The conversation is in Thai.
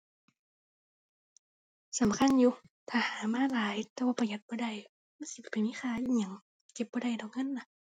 สำคัญอยู่ ถ้าหามาหลายแต่ว่าประหยัดบ่ได้ มันสิไปมีค่าอิหยัง เก็บบ่ได้ดอกเงินน่ะ